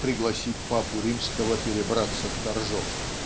пригласи папу римского перебраться в Торжок